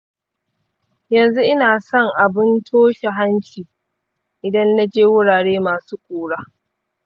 yanzu ina sa abun toshe hanci idan naje wurare masu ƙura.